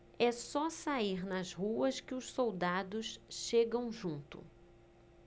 é só sair nas ruas que os soldados chegam junto